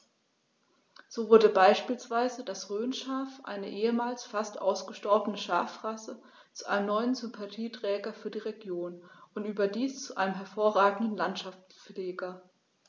So wurde beispielsweise das Rhönschaf, eine ehemals fast ausgestorbene Schafrasse, zu einem neuen Sympathieträger für die Region – und überdies zu einem hervorragenden Landschaftspfleger.